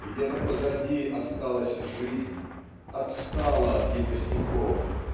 Где-то позади осталась жизнь отстала от его стихов